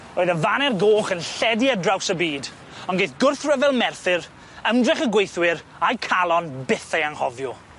Roedd y faner goch yn lledu ar draws y byd ond geith gwrthryfel Merthyr ymdrech y gweithwyr, a'i calon byth eu anghofio.